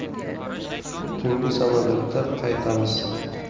tungi samolyotda qaytamiz